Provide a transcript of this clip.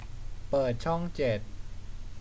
เปิดช่องเจ็ด